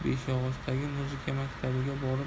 beshyog'ochdagi muzika maktabiga borib